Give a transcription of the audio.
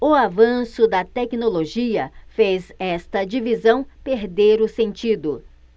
o avanço da tecnologia fez esta divisão perder o sentido